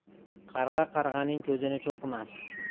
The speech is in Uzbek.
qarg'a qarg'aning ko'zini cho'qimas